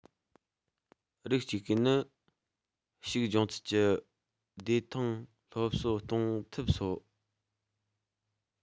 རིགས ཅིག ཤོས ནི ཞུགས སྦྱོང ཚུལ གྱི བདེ ཐང སློབ གསོ གཏོང ཐབས སོ